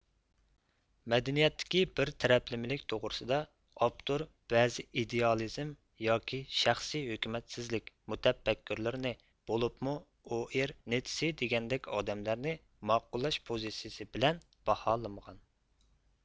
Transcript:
مەدەنىيەتتىكى بىر تەرەپلىمىلىك توغرىسىدا ئاپتور بەزى ئىدېئالىزم ياكى شەخسىي ھۆكۈمەتسىزلىك مۇتەپەككۇرلىرىنى بولۇپمۇ ئوئىر نىتسى دېگەندەك ئادەملەرنى ماقۇللاش پوزىتسىيىسى بىلەن باھالىمىغان